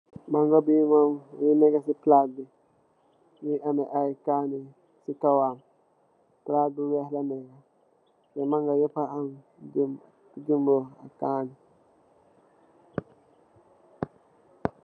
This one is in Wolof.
Mango bii mom, mungi neka si palaat bi, mungi ame aye kaaneh si kawam, palaat bu weeh la neka, te mango bi yepa am jimboo, ak kaane.